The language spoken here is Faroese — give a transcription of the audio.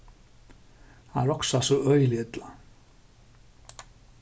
hann roksar so øgiliga illa